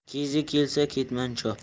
kezi kelsa ketmon chop